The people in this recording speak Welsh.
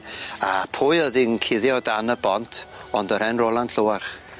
A pwy oedd 'i'n cuddio o dan y bont? Ond yr 'en Roland Llywarch.